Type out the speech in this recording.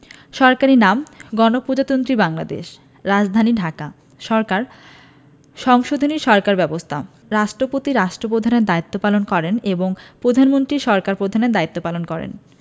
সরকারি নামঃ গণপ্রজাতন্ত্রী বাংলাদেশ রাজধানীঃ ঢাকা সরকারঃ সংসদীয় সরকার ব্যবস্থা রাষ্ট্রপতি রাষ্ট্রপ্রধানের দায়িত্ব পালন করেন এবং প্রধানমন্ত্রী সরকার প্রধানের দায়িত্ব পালন করেন